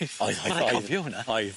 Oedd oedd oedd. Ma' raid cofio hwnna. Oedd.